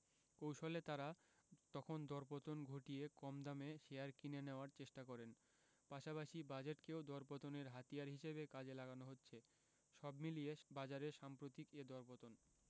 কৌশলে তাঁরা তখন দরপতন ঘটিয়ে কম দামে শেয়ার কিনে নেওয়ার চেষ্টা করেন পাশাপাশি বাজেটকেও দরপতনের হাতিয়ার হিসেবে কাজে লাগানো হচ্ছে সব মিলিয়ে বাজারের সাম্প্রতিক এ দরপতন